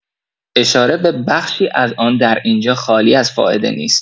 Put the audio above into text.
اشاره به بخشی از آن در اینجا خالی از فائده نیست.